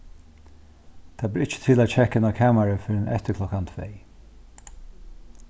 tað ber ikki til at kekka inn á kamarið fyrr enn eftir klokkan tvey